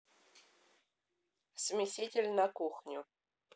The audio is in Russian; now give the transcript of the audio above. смеситель на кухню